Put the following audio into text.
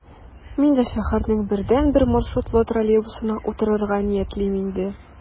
Мин дә шәһәрнең бердәнбер маршрутлы троллейбусына утырырга ниятлим инде...